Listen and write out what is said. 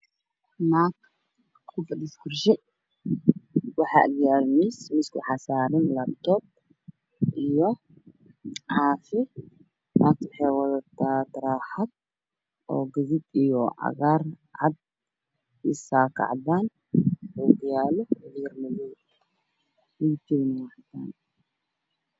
Naag ku fadhido kursi Waxaa agyaalo miis miiska waxaa agyaalo kartoon naagta waxa ay wada taa taraaxad